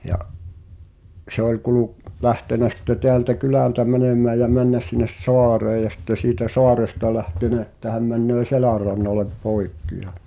ja se oli - lähtenyt sitten täältä kylältä menemään ja mennyt sinne saareen ja sitten siitä saaresta lähtenyt että hän menee Selänrannalle poikki ja